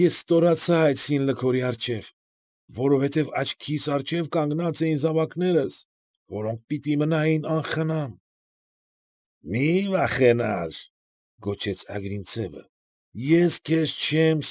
Ես ստորացա այդ սինլքորի առջև, որովհետև աչքիս առջև կանգնած էին զավակներս, որոնք պիտի մնային անխնամ։ ֊ Մի՛ վախենար,֊ գոչեց Արգինցևը,֊ ես քեզ չեմ։